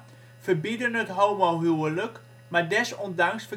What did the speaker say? verbieden het homohuwelijk, maar desondanks